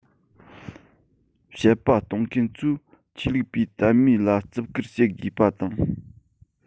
དཔྱད པ གཏོང མཁན ཚོས ཆོས ལུགས པའི དད མོས ལ བརྩི བཀུར བྱེད དགོས པ དང